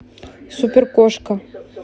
супер кошка